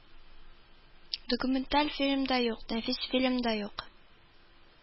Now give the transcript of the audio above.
Документаль фильм да юк, нәфис фильм да юк